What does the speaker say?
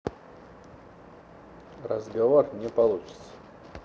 разговор не получится